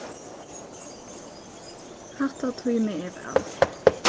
hatta tími eg væl